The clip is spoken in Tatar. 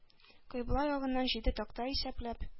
Кыйбла ягыннан җиде такта исәпләп,